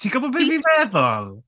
Ti'n gwybod be fi'n meddwl?